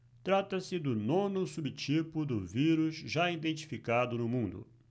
trata-se do nono subtipo do vírus já identificado no mundo